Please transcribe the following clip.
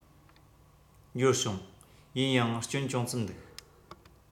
འབྱོར བྱུང ཡིན ཡང སྐྱོན ཅུང ཙམ འདུག